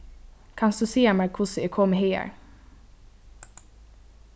kanst tú siga mær hvussu eg komi hagar